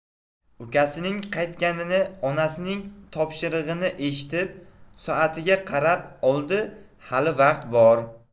ukasining qaytganini onasining topshirig'ini eshitib soatiga qarab oldi hali vaqt bor